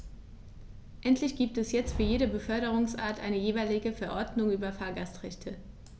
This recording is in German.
Endlich gibt es jetzt für jede Beförderungsart eine jeweilige Verordnung über Fahrgastrechte.